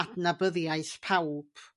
adnabyddiaeth pawb